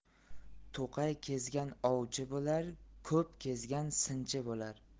to'qay kezgan ovchi bo'lar ko'p kezgan sinchi bo'lar